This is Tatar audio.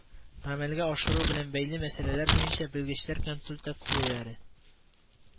Гамәлгә ашыру белән бәйле мәсьәләләр буенча белгечләр консультацияләре